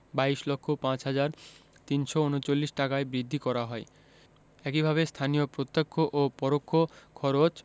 ২২ লক্ষ ৫ হাজার ৩৩৯ টাকায় বৃদ্ধি করা হয় একইভাবে স্থানীয় প্রত্যক্ষ ও পরোক্ষ খরচ